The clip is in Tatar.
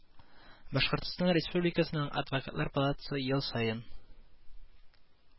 Башкортстан Республикасының Адвокатлар палатасы ел саен